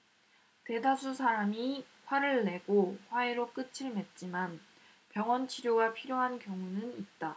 대다수 사람이 화를 내고 화해로 끝을 맺지만 병원 치료가 필요한 경우는 있다